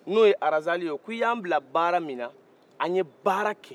n'o ye razali ye k'i y'an bila baara minna an ye baara kɛ